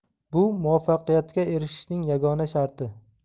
bu muvaffaqiyatga erishishning yagona sharti